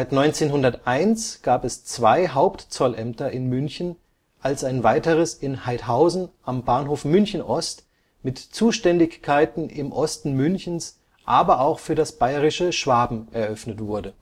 1901 gab es zwei Hauptzollämter in München, als ein weiteres in Haidhausen am Bahnhof München Ost mit Zuständigkeiten im Osten Münchens, aber auch für das bayerische Schwaben eröffnet wurde